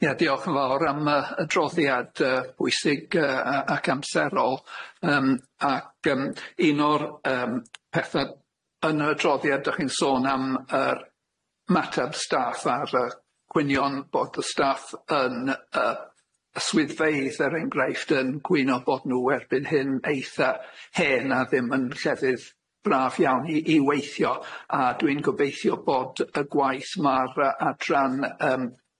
Ie diolch yn fawr am yy y droddiad yy bwysig yy yy ac amserol, yym ac yym un o'r yym pethe yn y droddiad dach chi'n sôn am yr yy mateb staff a'r yy gwynion bod y staff yn yy y swyddfeydd er enghraifft yn gwyno bod nhw erbyn hyn eitha hên a ddim yn llefydd braf iawn i i weithio a dwi'n gobeithio bod y gwaith ma'r yy adran yym